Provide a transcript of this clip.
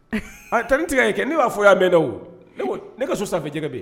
Tan ni tigɛ ye kɛ ne b'a fɔ y yan mɛnda o ne ka so sanfɛfejɛgɛ bɛ yen